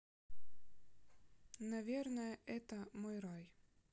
наверное это мой рай